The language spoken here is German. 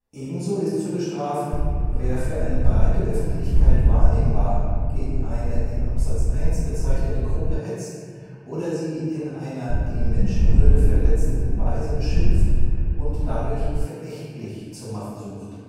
Ebenso ist zu bestrafen, wer für eine breite Öffentlichkeit wahrnehmbar gegen eine in Abs. 1 bezeichnete Gruppe hetzt oder sie in einer die Menschenwürde verletzenden Weise beschimpft und dadurch verächtlich zu machen sucht